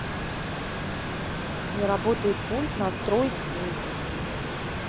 не работает пульт настроить пульт